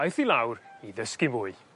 aeth i lawr i ddysgu fwy.